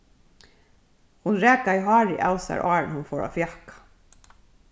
hon rakaði hárið av sær áðrenn hon fór at fjakka